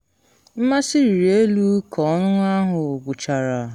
Mmasị rịrị elu ka ọnụnụ ahụ gwụchara.